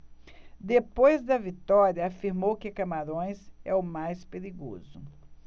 depois da vitória afirmou que camarões é o mais perigoso